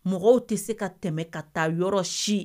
Mɔgɔw tɛ se ka tɛmɛ ka taa yɔrɔ si